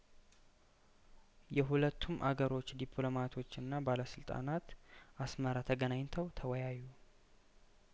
የሁለቱም አገሮች ዲፕሎማቶችና ባለስልጣናት አስመራ ተገናኝ ተው ተወያይተዋል